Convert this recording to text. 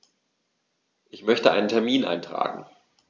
Ich möchte einen Termin eintragen.